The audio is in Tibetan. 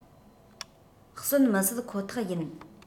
གསོན མི སྲིད ཁོ ཐག ཡིན